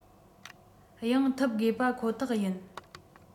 ཡང ཐུབ དགོས པ ཁོ ཐག ཡིན